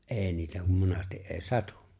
ei niitä kun monesti ei satu